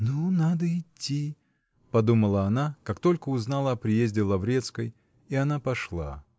"Ну, надо идти!" -- подумала она, как только узнала о приезде Лаврецкой, и она пошла.